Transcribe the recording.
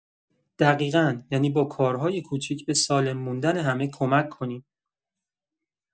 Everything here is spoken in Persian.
دقیقا، یعنی با کارهای کوچیک به سالم موندن همه کمک کنیم.